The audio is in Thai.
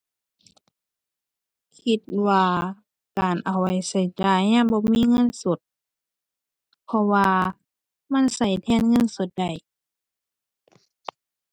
คิดว่าการเอาไว้ใช้จ่ายยามบ่มีเงินสด เพราะว่ามันใช้แทนเงินสดได้